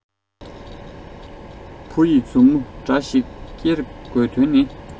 བུ ཡི མཛུབ མོ དེ འདྲ ཞིག ཀེར དགོས དོན ནི